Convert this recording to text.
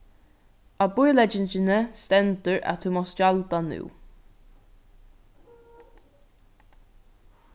á bíleggingini stendur at tú mást gjalda nú